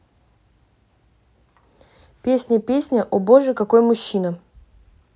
песня песня о боже какой мужчина